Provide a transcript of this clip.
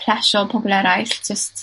plesio pobol eraill, jyst